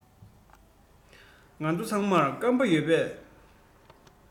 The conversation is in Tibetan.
ཁྱེད ཚོ ཚང མ འབྲོག པ རེད